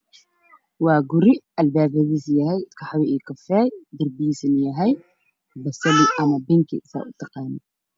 Waa guri albaabkiisu yahay kaxwo iyo kafeey darbigiisuna yahay Pink